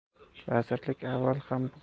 vazirlik avval ham bu